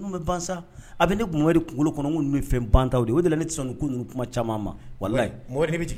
Bɛ bansa a bɛ ne kun wɛrɛ de kunkolo kɔnɔ n ye fɛn bantanw de o de deli la ne tɛ siran u kun ninnu kuma caman ma wala bɛ